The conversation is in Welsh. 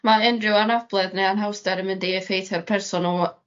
Ma' unryw anabledd ne' anhawster yn mynd i effeitho'r person o